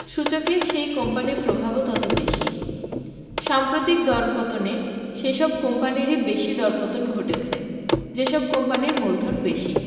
সূচকে সেই কোম্পানির প্রভাবও তত বেশি সাম্প্রতিক দরপতনে সেসব কোম্পানিরই বেশি দরপতন ঘটেছে যেসব কোম্পানির মূলধন বেশি